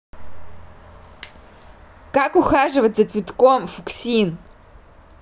как ухаживать за цветком фуксин